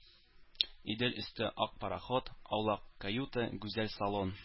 Идел өсте, ак пароход, аулак каюта, гүзәл салон